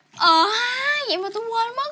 ờ ha dị mà tui quên mất